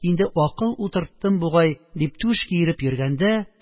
Инде акыл утырттым бугай дип түш киереп йөргәндә,